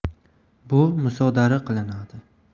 bu musodara qilinadi